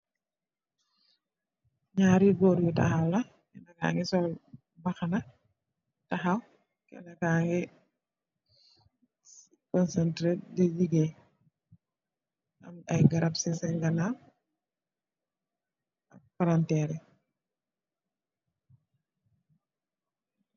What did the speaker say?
Nyarri goor yi takhaw nyunge sul mbakhana kenen ki munge concentrate di legey aye garap si sen ganaw .